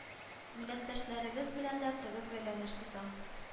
Милләттәшләребез белән дә тыгыз бәйләнеш тота